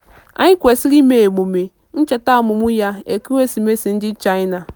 Anyị kwesịrị ime emume ncheta ọmụmụ ya ekeresimesi ndị China.